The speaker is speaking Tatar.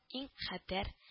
Иң хәтәр